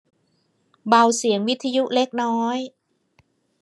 เบาเสียงวิทยุเล็กน้อย